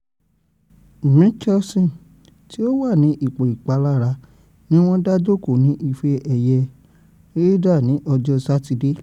Mickelson tí ó wà ní ìpò ìpalára ní wọ́n dájókòó ní Ìfe ẹ̀yẹ Ryder ní ọjọ́ Sátidé